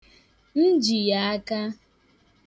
M ji ya aka.